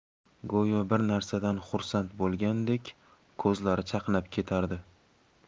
go'yo bir narsadan xursand bo'lgandek ko'zlari chaqnab ketardi